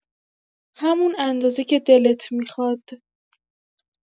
همون اندازه که دلت می‌خواد.